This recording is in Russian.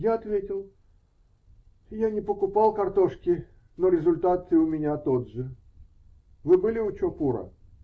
Я ответил: -- Я не покупал картошки, но результат и у меня тот же. Вы были у Чопура?